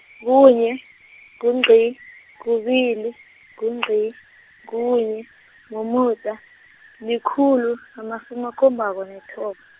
kunye, ngungci, kubili, ngungci, kunye, mumuda, likhulu, namasumi, akhombako, nethoba.